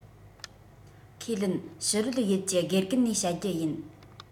ཁས ལེན ཕྱི རོལ ཡུལ གྱི དགེ རྒན ནས བཤད རྒྱུ ཡིན